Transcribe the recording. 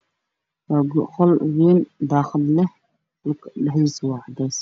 Waa qol weyn daqada leh kulka cadees